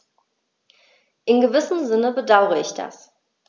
In gewissem Sinne bedauere ich das.